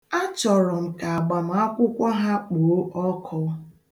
Achọrọ m ka agbamakwụkwọ ha kpoo ọkụ.